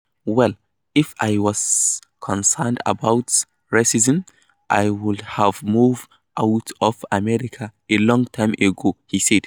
Well, if I was concerned about racism I would've moved out of America a long time ago," he said.